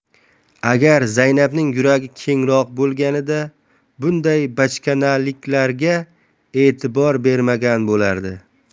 agar zaynabning yuragi kengroq bo'lganida bunday bachkanaliklarga e'tibor bermagan bo'lardi